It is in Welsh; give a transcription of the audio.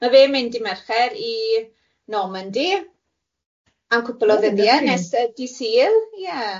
Ma fe'n mynd i Mercher i Normandy am cwpwl o ddyddiau nes yy dydd Sul ie.